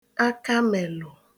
akamèlụ